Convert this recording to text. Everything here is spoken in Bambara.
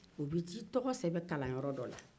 u bɛ taa i tɔgɔ sɛbɛn kalanyɔrɔ dɔ la